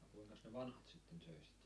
no kuinkas ne vanhat sitten söi sitä